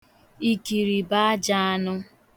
Ikiri bụ ajọ anụ.